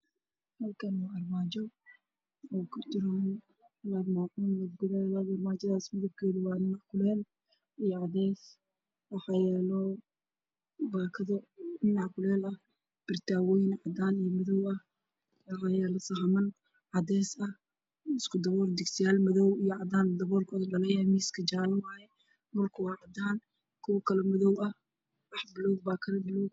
Meshan waa meel huteel ah waxaa ku xiran leyr